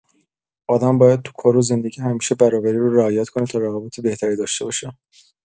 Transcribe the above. آدم باید تو کار و زندگی همیشه برابری رو رعایت کنه تا روابط بهتری داشته باشه.